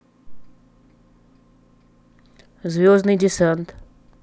звездный десант